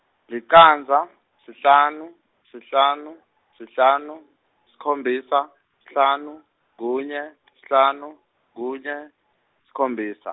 licandza, sihlanu, sihlanu, sihlanu, sikhombisa, sihlanu, kunye , sihlanu, kunye, sikhombisa.